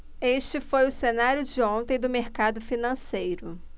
este foi o cenário de ontem do mercado financeiro